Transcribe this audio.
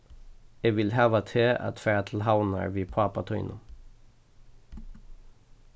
eg vil hava teg at fara til havnar við pápa tínum